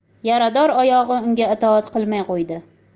yarador oyog'i unga itoat qilmay qo'ydi